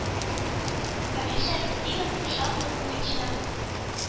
Камил Шәйхетдинов, шахмат буенча